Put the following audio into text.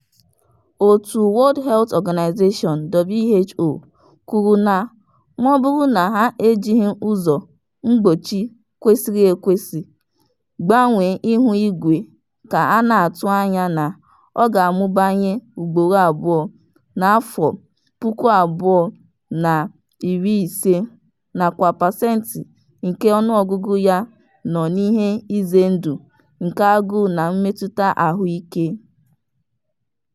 Òtù World Health Organisation (WHO) kwuru na maọbụrụ na ha ejighi ụzọ mgbochi kwesịrị ekwesị, mgbanwe ihuigwe ka a na-atụ anya na ọ ga-amụbanye ugboro abụọ na 2050 nakwa pasenti nke ọnụọgụgụ ya nọ n'ihe ize ndụ nke agụụ na mmetụta ahụike.